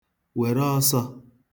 wère ọsọ̄